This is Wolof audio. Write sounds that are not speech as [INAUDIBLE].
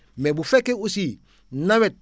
mais bu fekkee aussi [BREATH] nawet